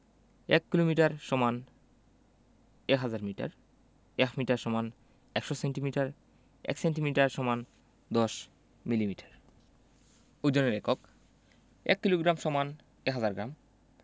১ kilometre = ১০০০ metre ১ metre = ১০০ centimetre ১ centimetre = ১০ millimetre ওজনের এককঃ ১ kilogram = ১০০০ গ্রাম